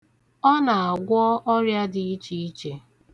Ọ na-agwọ ọrịa dị ichiiche.